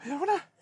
Be' o' hwnna?